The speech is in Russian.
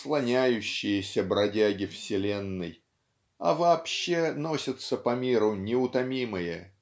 слоняющиеся бродяги вселенной а вообще носятся по миру неутомимые